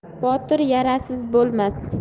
botir yarasiz bo'lmas